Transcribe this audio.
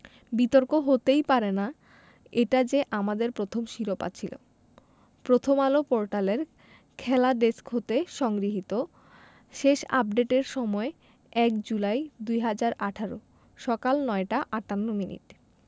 বিতর্ক হতেই পারে না এটা যে আমাদের প্রথম শিরোপা ছিল প্রথমআলো পোর্টালের খেলা ডেস্ক হতে সংগৃহীত শেষ আপডেটের সময় ১ জুলাই ২০১৮ সকাল ৯টা ৫৮মিনিট